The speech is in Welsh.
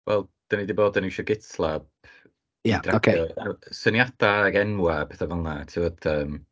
Wel dan ni 'di bod yn iwsio GitLab i dracio syniadau ac enwua a petha fel 'na tibod, ymm...